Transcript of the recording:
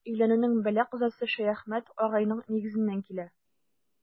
Өйләнүнең бәла-казасы Шәяхмәт агайның нигезеннән килә.